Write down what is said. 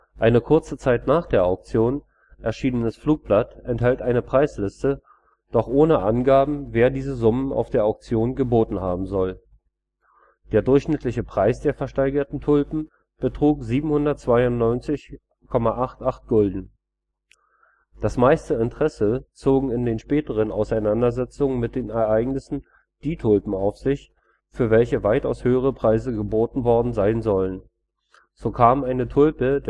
Ein kurze Zeit nach der Auktion erschienenes Flugblatt enthält eine Preisliste, doch ohne Angaben, wer diese Summen auf der Auktion geboten haben soll. Der durchschnittliche Preis der versteigerten Tulpen betrug 792,88 Gulden. Das meiste Interesse zogen in den späteren Auseinandersetzungen mit den Ereignissen die Tulpen auf sich, für welche weitaus höhere Preise geboten worden sein sollen. So kam eine Tulpe